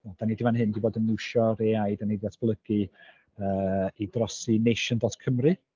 Dan ni 'di fan hyn 'di bod yn iwsio'r AI dan ni 'di ddatblygu yy i drosi nation dot cymru.